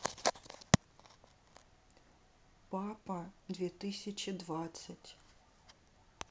папа две тысячи двадцать